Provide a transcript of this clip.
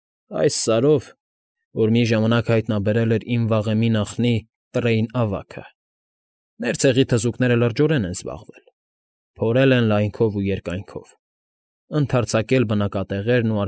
Այդ Սարով, որ մի ժամանակ հայտնաբերել էր իմ վաղեմի նախնի Տրեյն Ավագը, մեր ցեղի թզուկները լրջորեն են զբաղվել. փորել են լայնքով ու երկայնքով, ընդարձակել բնակատեղերն ու։